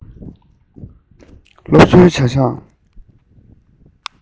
སློབ གསོའི བྱ གཞག